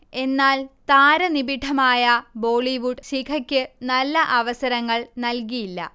എന്നാൽ, താരനിബിഢമായ ബോളിവുഡ് ശിഖയ്ക്ക് നല്ല അവസരങ്ങൾ നൽകിയില്ല